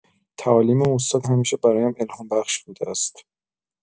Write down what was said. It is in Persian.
تعالیم استاد همیشه برایم الهام‌بخش بوده است.